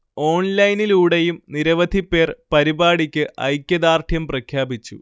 ഓൺലൈനിലൂടെയും നിരവധി പേർ പരിപാടിക്ക് ഐക്യദാർഢ്യം പ്രഖ്യാപിച്ചു